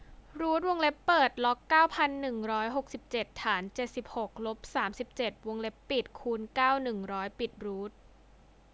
รูทวงเล็บเปิดล็อกเก้าพันหนึ่งร้อยหกสิบเจ็ดฐานเจ็ดสิบหกลบสามสิบเจ็ดวงเล็บปิดคูณเก้าหนึ่งร้อยปิดรูทคำนวณให้หน่อย